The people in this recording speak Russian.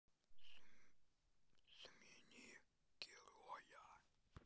смени героя